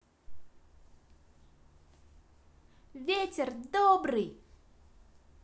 ветер добрый